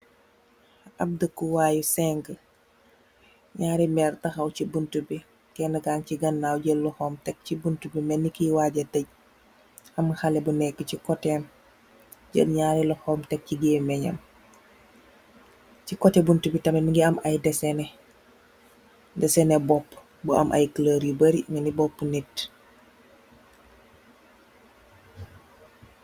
Ab dëkkuwaayu senge nyari meer taxaw ci buntu bi kene kage ci gannaaw jëll lohom tek ci buntu bi menni kiy waaje tej am xale bu nekk ci koteem jel ñyari lohom tek ci gémeñam ci kote buntu bi tamin muge am ay desene, desene bopp bu am ay clëur yu bari melne bopu nit.